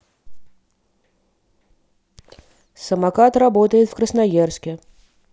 самокат работает в красноярске